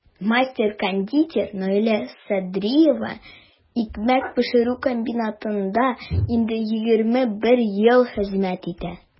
Мастер-кондитер Наилә Садриева икмәк пешерү комбинатында инде 21 ел хезмәт итә.